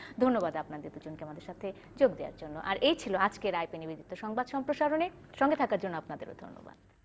ধন্যবাদ আপনাদের দুজনকে আমাদের সাথে যোগ দেয়ার জন্য আর এই ছিল আজকের আই পি নিবেদিত সংবাদ সম্প্রসারণ এ সঙ্গে থাকার জন্য আপনাদেরও ধন্যবাদ